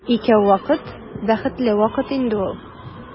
Икәү вакыт бәхетле вакыт инде ул.